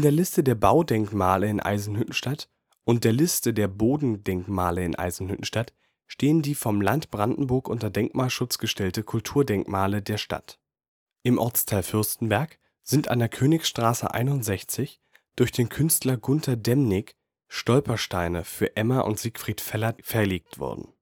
Liste der Baudenkmale in Eisenhüttenstadt und der Liste der Bodendenkmale in Eisenhüttenstadt stehen die vom Land Brandenburg unter Denkmalschutz gestellten Kulturdenkmale der Stadt. Im Ortsteil Fürstenberg sind an der Königstraße 61 durch den Künstler Gunter Demnig Stolpersteine für Emma und Siegfried Fellert verlegt worden